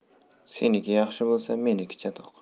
seniki yaxshi bo'lsa meniki chatoq